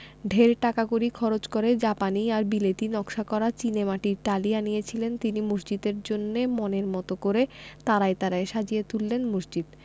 ঢের টাকাকড়ি খরচ করে জাপানি আর বিলেতী নকশা করা চীনেমাটির টালি আনিয়েছিলেন তিনি মসজিদের জন্যে মনের মতো করে তারায় তারায় সাজিয়ে তুললেন মসজিদ